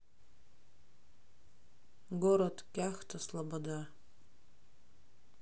город кяхта слобода